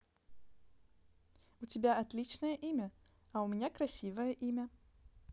у тебя отличное имя а у меня красивое имя